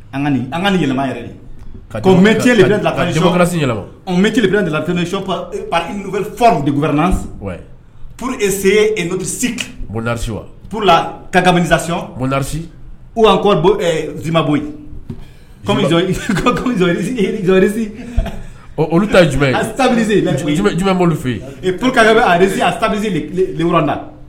An ka nin yɛlɛma ka mɛtisi yɛlɛma mɛti bɛ delatp de wɛrɛ pesibondarisi wa purla ka kalasibondarisi' kɔ don zmabo yenrisi ɔ olu ta ju jumɛnbiriz jumɛn fɛ yen pur quekɛ bɛ alirez a sabiz na